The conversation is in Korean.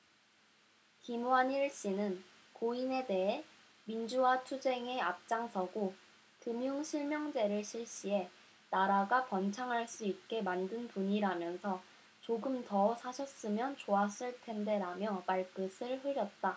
김완일씨는 고인에 대해 민주화 투쟁에 앞장서고 금융실명제를 실시해 나라가 번창할 수 있게 만든 분이라면서 조금 더 사셨으면 좋았을 텐데 라며 말끝을 흐렸다